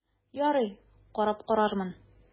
Ярый, карап карармын...